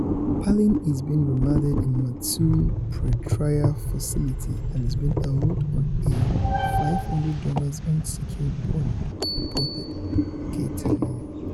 Palin is being remanded in Mat-Su Pretrial Facility and is being held on a $500 unsecured bond, reported KTUU.